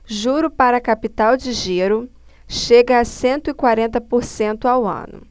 juro para capital de giro chega a cento e quarenta por cento ao ano